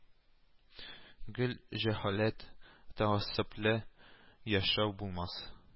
Гел җәһаләт, тәгассыплә яшәү булмас